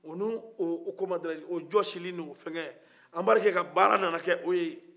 o ni u jɔsi li o ni o fɛgɛ anbarike ka baara nana kɛ o ye